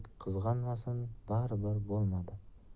qizg'anmasin baribir bo'lmadi